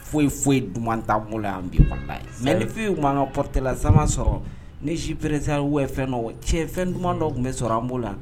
Foyi foyi duman t'an bolo yan bi walahi mais ni Fifi tun b'an ŋa portée la sisan b'a sɔrɔ ni jus precia ou bien fɛn dɔ cɛ fɛn duman dɔ tun be sɔrɔ an bolo yan